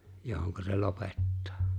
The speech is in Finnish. johon se lopettaa